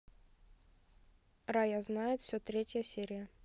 рая знает все третья серия